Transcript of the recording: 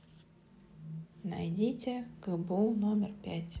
найдите гбу номер пять